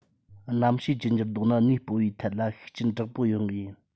གནམ གཤིས ཀྱི འགྱུར ལྡོག ནི གནས སྤོ བའི ཐད ལ ཤུགས རྐྱེན དྲག པོ ཡོད ངེས ཡིན